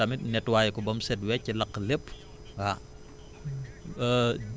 préparer sol bi tamit netoyer ko bam set wecc lakk lépp waa